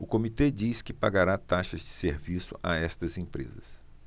o comitê diz que pagará taxas de serviço a estas empresas